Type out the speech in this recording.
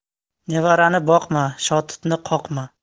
nevarani boqma shotutni qoqma